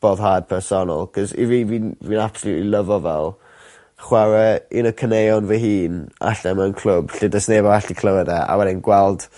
boddhad personol 'c'os i fi fi'n fi absolutely lyfo fel chware un o caneuon fy allan mewn clwb lle does neb yn allu clywed a wedyn gweld